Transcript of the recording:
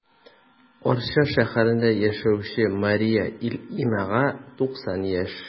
16-21 февраль көннәрендә кадет интернатлы мәктәбендә инглиз теле атналыгы узды.